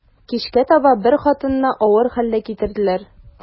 Кичкә таба бер хатынны авыр хәлдә китерделәр.